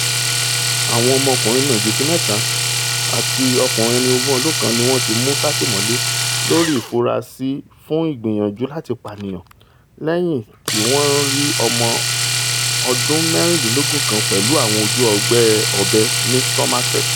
Àwọn ọmọkùnrin màjèsín mẹ́ta àti ọkùnrin ẹni ogún kan ni wọ́n ti mú sátìmọ́lé lórí ìfurasínì fún ìgbìyànjú láti pàniyàn lẹ́yìn tí wọ́n rí ọmọ ọdún mẹ́rìndínlógún kan pẹ̀lú àwọn ojú-ọgbẹ́ ọ̀bẹ ní Somerset.